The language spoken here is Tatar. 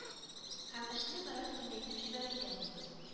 Һәм эшне бераз киңәйтеп җибәрергә булдым